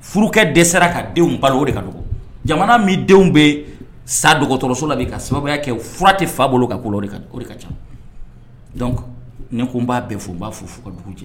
Furukɛ dɛsɛ serara ka denw balo o de ka dɔgɔ jamana min denw bɛ yen sa dɔgɔtɔrɔso la ka sababuya kɛ furakɛ tɛ fa bolo ka o de ka ca ni ko b'a bɛ fɛ n b'a fo ka dugu